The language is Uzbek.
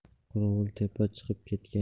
qorovultepaga chiqib ketgan